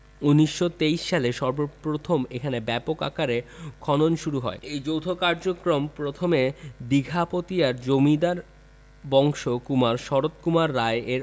১৯২৩ সালে সর্বপ্রথম এখানে ব্যাপক আকারে খনন শুরু হয় এ যৌথ কার্যক্রম প্রথমে দিঘাপতিয়ার জমিদার বংশের কুমার শরৎ কুমার রায় এর